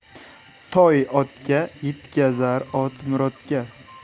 toy otga yetkazar ot murodga